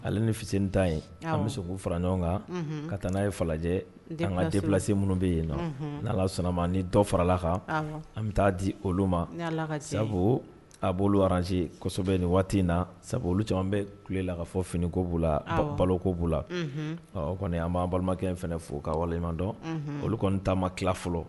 Hali ni fi tan ye an bɛ sogo fara ɲɔgɔn kan ka taa n'a ye falajɛ ka an ka denlasi minnu bɛ yen na n' sɔnnama ni dɔ farala kan an bɛ taa di olu ma sabu a' araranjesɔ kosɛbɛ nin waati in na sabu olu caman bɛ tile la ka fɔ fini ko b' la a balo ko b'u la o kɔni an b'an balimakɛ in fana fo ka wali dɔn olu kɔni taama ma ki fɔlɔ